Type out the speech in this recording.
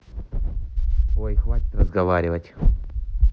ой хватит разговаривать